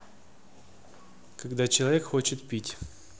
когда человек хочет пить